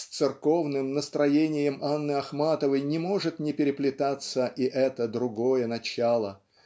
с церковным настроением Анны Ахматовой не может не переплетаться и это другое начало.